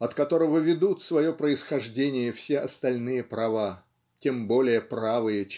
от которого ведут свое происхождение все остальные права тем более правые